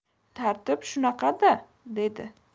tartib shunaqada dedi